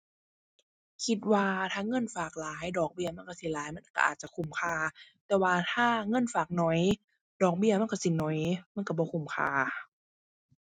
คิดว่าถ้าเงินฝากหลายดอกเบี้ยมันก็สิหลาย มันก็อาจจะคุ้มค่า แต่ว่าถ้าเงินฝากน้อย ดอกเบี้ยมันสิน้อย มันก็บ่คุ้มค่า